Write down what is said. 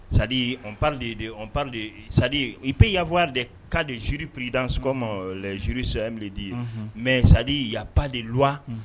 ç'a dire on parle de, on parle de, ça à dire il peut y avoir des cas de jurisprudence comme les juristes aiment le dire, unhun, mais ç'a dire il y a de loi